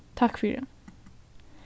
takk fyri